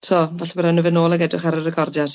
So falle bo' raid 'ddyn nw fynd nôl ag edrych ar y recordiad.